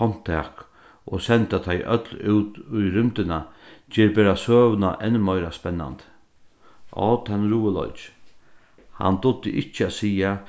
handtak og senda tey øll út í rúmdina ger bara søguna enn meira spennandi áh tann ruðuleiki hann dugdi ikki at siga